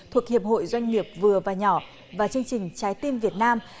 thuộc hiệp hội doanh nghiệp vừa và nhỏ và chương trình trái tim việt nam